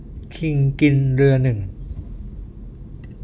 คิงกินเรือหนึ่ง